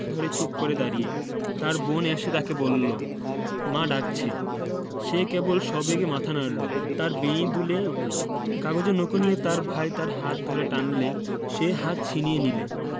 ধরে চুপ করে দাঁড়িয়ে তার বোন এসে তাকে বললে মা ডাকছে সে কেবল সবেগে মাথা নাড়ল তার বেণী দুলে উঠল কাগজের নৌকো নিয়ে তার ভাই তার হাত ধরে টানলে সে হাত ছিনিয়ে নিলে